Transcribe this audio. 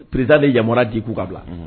President de ye yamaru di k'u k'a bila, unhun